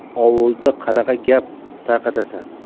ovulda qanaqa gap tarqatasan